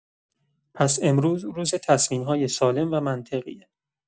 پس امروز روز تصمیم‌های سالم و منطقیه.